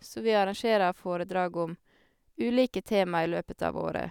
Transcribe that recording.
Så vi arrangerer foredrag om ulike tema i løpet av året.